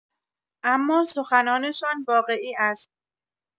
اما سخنانشان واقعی است.